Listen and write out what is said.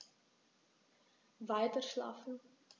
Weiterschlafen.